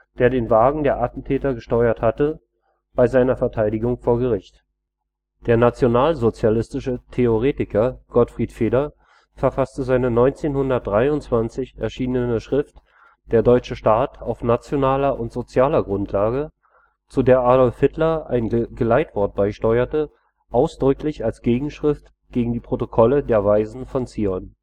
der den Wagen der Attentäter gesteuert hatte, bei seiner Verteidigung vor Gericht. Der nationalsozialistische Theoretiker Gottfried Feder verfasste seine 1923 erschienene Schrift Der Deutsche Staat auf nationaler und sozialer Grundlage, zu der Adolf Hitler ein Geleitwort beisteuerte, ausdrücklich als Gegenschrift gegen die Protokolle der Weisen von Zion